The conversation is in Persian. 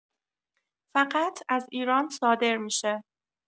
فقط از ایران صادر می‌شه